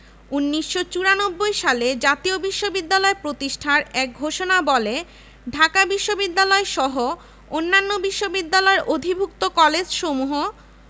১৯৯৪ সালে জাতীয় বিশ্ববিদ্যালয় প্রতিষ্ঠার এক ঘোষণাবলে ঢাকা বিশ্ববিদ্যালয়সহ অন্যান্য বিশ্ববিদ্যালয়ের অধিভুক্ত কলেজসমূহ